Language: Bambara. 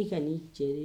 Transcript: I ka' cɛ